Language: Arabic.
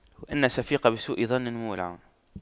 إن الشفيق بسوء ظن مولع